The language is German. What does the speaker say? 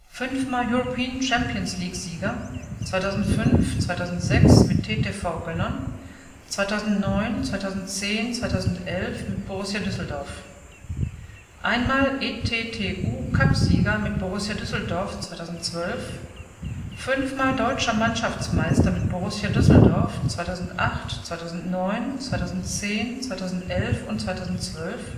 5x European Champions League-Sieger (2005, 2006 mit TTV Gönnern; 2009, 2010, 2011 mit Borussia Düsseldorf) 1x ETTU Cup-Sieger mit Borussia Düsseldorf 2012 5x Deutscher Mannschaftsmeister mit Borussia Düsseldorf 2008, 2009, 2010, 2011, 2012